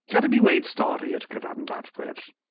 Gad i mi weud stori i'r gwrandawyr.